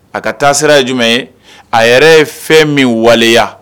A ka taa sira ye jumɛn ye a yɛrɛ ye fɛn min waleya